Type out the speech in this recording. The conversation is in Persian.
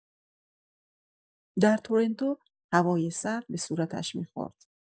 در تورنتو، هوای سرد به صورتش می‌خورد.